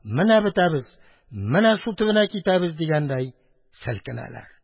Менә бетәбез, менә су төбенә китәбез дигәндәй селкенәләр.